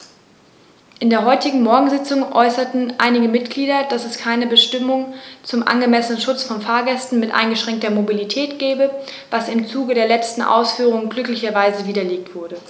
In der heutigen Morgensitzung äußerten einige Mitglieder, dass es keine Bestimmung zum angemessenen Schutz von Fahrgästen mit eingeschränkter Mobilität gebe, was im Zuge der letzten Ausführungen glücklicherweise widerlegt wurde.